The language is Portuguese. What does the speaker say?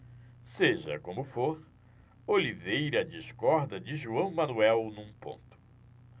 seja como for oliveira discorda de joão manuel num ponto